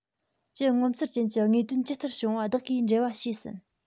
ཀྱི ངོ མཚར ཅན གྱི དངོས དོན ཇི ལྟར བྱུང བ བདག གིས འགྲེལ བ བྱས ཟིན